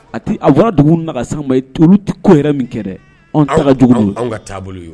A tɛ a waradugu na saba ye to tɛ ko yɛrɛ min kɛ dɛ an taara ka jugu ka taabolo